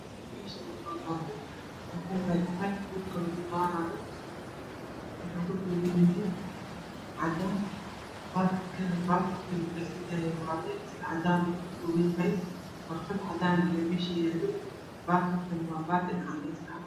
Meeshaan waa baakad waxaa yaalo caag dhulka lugu baarayo waxuu ka kooban yahay cadaan baakad kana waa baakad ka lugu dhex ridaayo cadaan ayuu ka kooban yahay warqad cadaan ah ayaa meesha yaalo baakadkana waa cadeys.